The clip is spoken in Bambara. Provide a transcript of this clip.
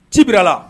Ci bila la